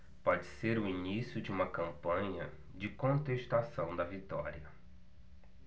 pode ser o início de uma campanha de contestação da vitória